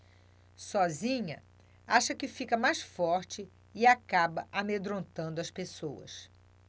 sozinha acha que fica mais forte e acaba amedrontando as pessoas